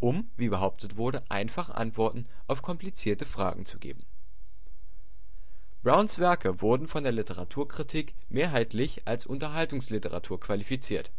um – wie behauptet wurde – einfache Antworten auf komplizierte Fragen zu geben. Browns Werke wurden von der Literaturkritik mehrheitlich als Unterhaltungsliteratur qualifiziert.